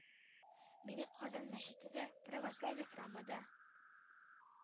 – мине казан мәчете дә, православие храмы да